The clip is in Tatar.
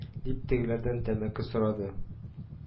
— дип, тегеләрдән тәмәке сорады